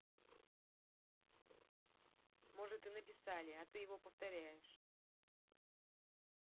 может и написали а ты его повторяешь